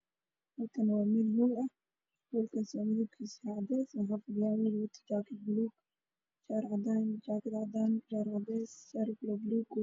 Meeshan waxa ka muuqdo guri aad u qurux badan oo midabkiisa cadaan yahay